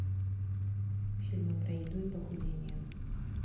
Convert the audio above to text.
фильмы про еду и похудение